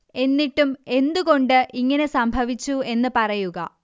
എന്നിട്ടും എന്ത് കൊണ്ട് ഇങ്ങനെ സംഭവിച്ചു എന്ന് പറയുക